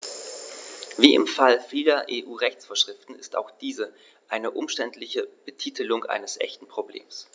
Wie im Fall vieler EU-Rechtsvorschriften ist auch dies eine umständliche Betitelung eines echten Problems.